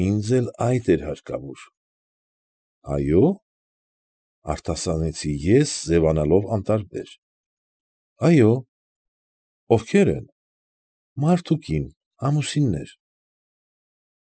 Ինձ էլ այդ էր հարկավոր։ ֊ Այո՞ ֊ արտասանեցի ես, ձևանալով անտարբեր։ ֊ Այո։ ֊ Ովքե՞ր են։ ֊ Մարդ ու կին, ամուսիններ։ ֊